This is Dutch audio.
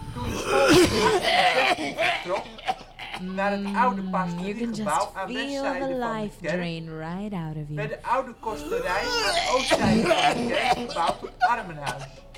Toen de school in 1816 vertrok naar het oude pastoriegebouw aan westzijde van de kerk, werd de oude kosterij aan oostzijde van de kerk verbouwd tot armenhuis